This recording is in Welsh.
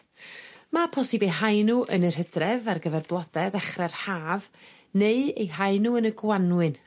Ma' posib eu hau n'w yn yr Hydref ar gyfer blode ddechre'r Haf neu eu hau n'w yn y Gwanwyn